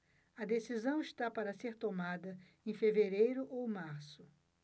a decisão está para ser tomada em fevereiro ou março